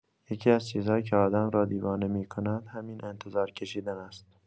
یکی‌از چیزهایی که آدم را دیوانه می‌کند همین انتظار کشیدن است.